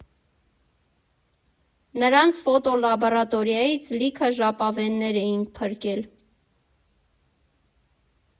Նրանց ֆոտոլաբորատորիայից լիքը ժապավեններ էինք փրկել։